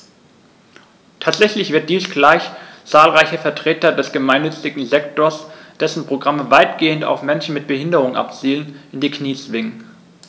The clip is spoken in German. Tatsächlich wird dies gleich zahlreiche Vertreter des gemeinnützigen Sektors - dessen Programme weitgehend auf Menschen mit Behinderung abzielen - in die Knie zwingen.